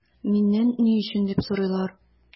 Миннән “ни өчен” дип сорыйлар.